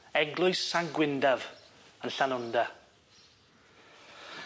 Eglwys San Gwyndaf yn Llanwnda.